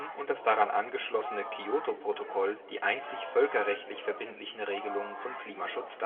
und das daran angeschlossene Kyoto-Protokoll die einzig völkerrechtlich verbindlichen Regelungen zum Klimaschutz